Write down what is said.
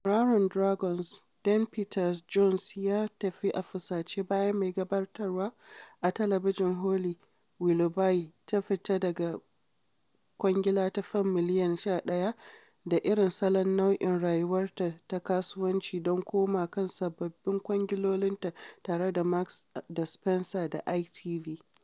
Tauraron Dragons Den Peter Jones ya tafi a 'fusace' bayan mai gabatarwa a talabijin Holly Willoughby ta fita daga kwangila ta Fam miliyan 11 da irin salon nau’in rayuwarta ta kasuwanci don koma kan sababbin kwangilolinta tare da Marks da Spencer da ITV